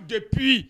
An tɛ pewu